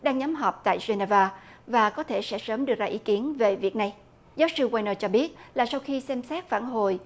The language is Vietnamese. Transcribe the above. đang nhóm họp tại giơ ne va và có thể sẽ sớm đưa ra ý kiến về việc này giáo sư goai nơ cho biết là sau khi xem xét phản hồi